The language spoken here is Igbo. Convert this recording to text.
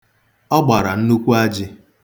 Ọ gbara nnukwu ajị.